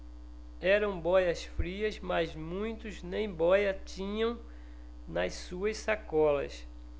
eram bóias-frias mas muitos nem bóia tinham nas suas sacolas